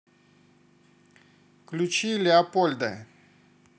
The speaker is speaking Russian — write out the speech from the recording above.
включи леопольда